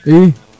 i